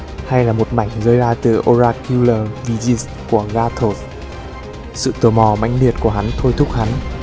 hay một mảnh rơi ra từ oracular visage của garthos sự tò mò mãnh liệt thôi thúc hắn